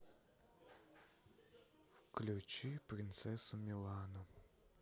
включи принцессу милану